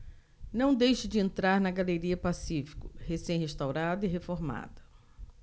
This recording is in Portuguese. não deixe de entrar na galeria pacífico recém restaurada e reformada